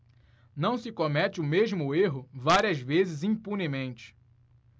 não se comete o mesmo erro várias vezes impunemente